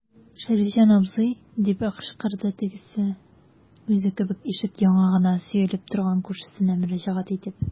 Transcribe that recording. Шәрифҗан абзый, - дип кычкырды тегесе, үзе кебек ишек яңагына сөялеп торган күршесенә мөрәҗәгать итеп.